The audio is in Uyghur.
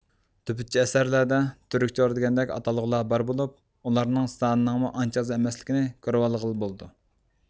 تۈبۈتچە ئەسەرلەردە تۈركچور دېگەندەك ئاتالغۇلار بار بولۇپ ئۇلارنىڭ سانىنىڭمۇ ئانچە ئاز ئەمەسلىكىنى كۆرۋالغىلى بولىدۇ